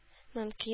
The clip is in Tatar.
Мөмкин